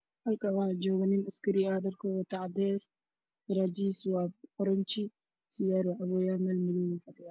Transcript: Halkan waxjogo nin askari ah dharkow wato cades garadhis waa oraji